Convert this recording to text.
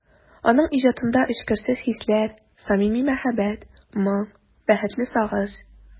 Аның иҗатында эчкерсез хисләр, самими мәхәббәт, моң, бәхетле сагыш...